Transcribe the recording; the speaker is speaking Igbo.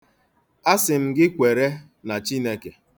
Asị m gị kwere na Chineke.